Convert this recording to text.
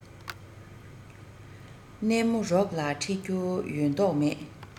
གནས མོ རོགས ལ ཁྲིད རྒྱུ ཡོད མདོག མེད